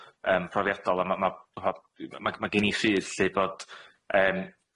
yym profiadol, a ma' ma' ma' ma' g- ma' gen i ffydd lly bod yym